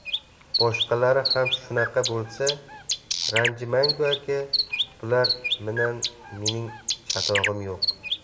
boshqalari ham shunaqa bo'lsa ranjimangu aka bular minan mening chatag'im yo'q